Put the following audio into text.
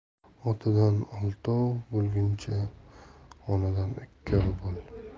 otadan oltov bo'lguncha onadan ikkov bo'l